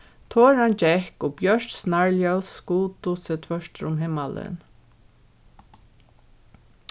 toran gekk og bjørt snarljós skutu seg tvørtur um himmalin